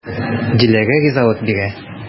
Диләрә ризалык бирә.